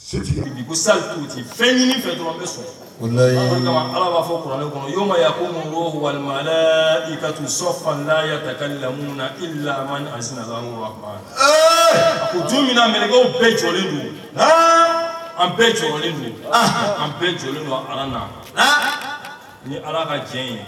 Tigi saku tɛ fɛn ɲini fɛn dɔrɔn bɛ sɔn ala b'a fɔ kɔrɔɔrɔn kɔnɔ yoma yan ko walima ala i ka tun so falaya ka ka lammu na i la sinasa ko tu min minɛkaw bɛɛ jɔ don an bɛɛ jɔ don an bɛɛ jɔ don ala na ni ala ka diɲɛ ye